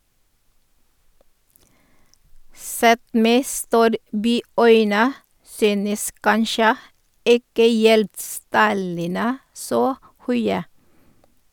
Sett med storbyøyne synes kanskje ikke gjeldstallene så høye.